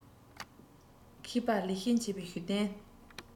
མཁས པ ལེགས བཤད འཆད པའི ཞུ རྟེན